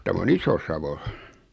tämä on Iso-Savo